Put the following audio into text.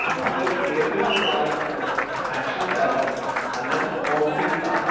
അതിൽ ഏറ്റവും പ്രധാനപ്പെട്ടത് ആക്ഷൻ ഡയറക്ടർ അലൻ പോപ്ഹിൽട്ടാണ്